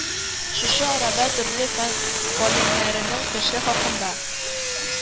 Шушы арада төрле фән галимнәренең «Кеше» хакында